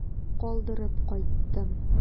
Калдырып кайттым.